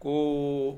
OO